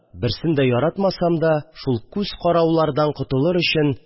Берсен дә яратмасам да, шул күз караулардан котылыр өчен